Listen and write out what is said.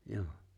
jo